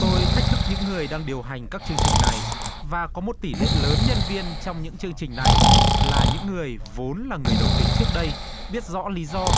tôi thách thức những người đang điều hành các chương trình này và có một tỷ lệ lớn nhân viên trong những chương trình này là những người vốn là người đồng tính trước đây biết rõ lý do